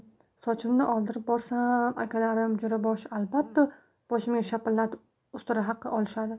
sochimni oldirib borsam akalarim jo'raboshi albatta boshimga shapatilab ustara haqi olishadi